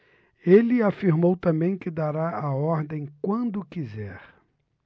ele afirmou também que dará a ordem quando quiser